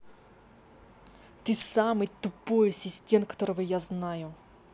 ты самый тупой ассистент которого я знаю